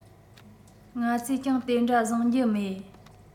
ང ཚོས ཀྱང དེ འདྲ བཟང རྒྱུ མེད